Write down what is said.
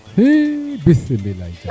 hii bis